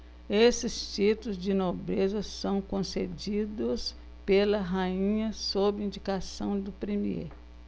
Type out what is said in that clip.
esses títulos de nobreza são concedidos pela rainha sob indicação do premiê